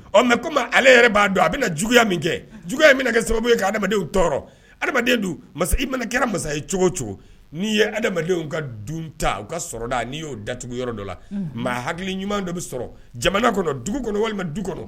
Ɔ mais komi ale yɛrɛ ba dɔn don a bɛna na juguya min kɛ juguya bɛna kɛ sababu ye kan adamadenw tɔɔrɔ. Adama don i kɛra masa ye cogo cogo ni ye adamadenw ka dun ta u ka sɔrɔda, ni yo datugu yɔrɔ dɔ la maa hakili ɲuman dɔ bɛ sɔrɔ jamana kɔnɔ dugu kɔnɔ walima du kɔnɔ